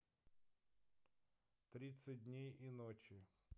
тридцать дней и ночи